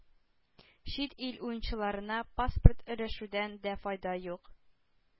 Чит ил уенчыларына паспорт өләшүдән дә файда юк.